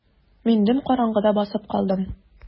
Мин дөм караңгыда басып калдым.